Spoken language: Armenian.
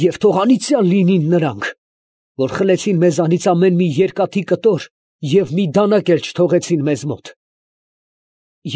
Եվ թո՛ղ անիծյա՜լ լինին նրանք… որ խլեցին մեզանից ամեն մի երկաթի կտոր և մի դանակ էլ չթողեցին մեզ մոտ…։